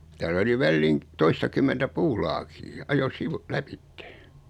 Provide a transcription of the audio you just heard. täällä oli väliin toistakymmentä puulaakia ajoi - lävitse